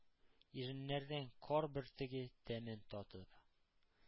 Иреннәрдән кар бөртеге тәмен татып?